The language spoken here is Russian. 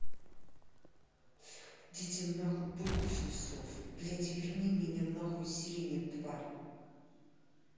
дети нахуй будку снесу блядь верни меня нахуй сирену тварь